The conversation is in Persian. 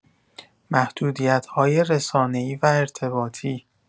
محدودیت‌های رسانه‌ای و ارتباطی